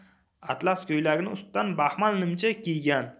atlas ko'ylagining ustidan baxmal nimcha kiygan